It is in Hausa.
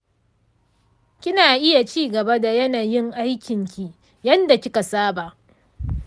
kina iya cigaba da yanayin aikinki yanda kika saba?